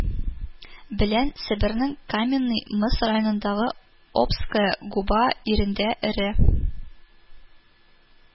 Белән себернең каменный мыс районындагы обская губа ирендә эре